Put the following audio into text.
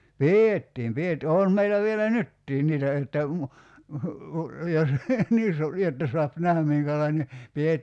pidettiin - on meillä vielä nytkin niitä että - jos niin - jotta saa nähdä minkälainen -